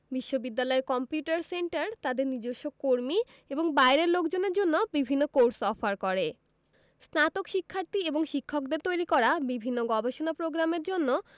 বিশ্ববিদ্যালয়ের computer centre তাদের নিজস্ব কর্মী এবং বাইরের লোকজনের জন্য বিভিন্ন কোর্স অফার করে স্নাতক শিক্ষার্থী এবং শিক্ষকদের তৈরি করা বিভিন্ন গবেষণা প্রোগ্রামের জন্য